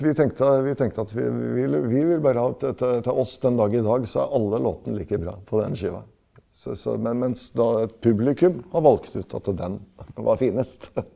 vi tenkte vi tenkte at vi vil vi vil bare at dette til oss den dag i dag så er alle låtene like bra på den skiva, så så men mens da publikum har valgt ut at den var finest.